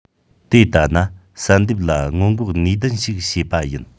དེ ལྟ ན བསལ འདེམས ལ སྔོན འགོག ནུས ལྡན ཞིག བྱེད པ ཡིན